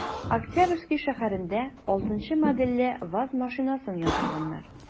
Октябрьский шәһәрендә 6 нчы модельле ваз машинасын яндырганнар.